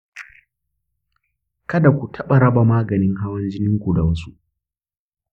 kada ku taɓa raba maganin hawan jinin ku da wasu.